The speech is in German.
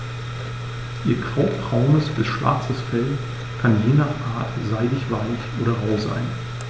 Ihr graubraunes bis schwarzes Fell kann je nach Art seidig-weich oder rau sein.